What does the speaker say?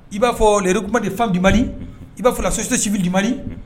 I b'a fɔ les regroupement des femmes du Mali unhun, i b'a fɔ la société du Mali , unhun.